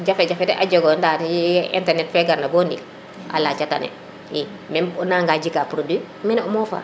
jafe jafe de jegoga nda ye internet fe garna bo ndik a laca tane i meme o nanga yika produit mene o mofa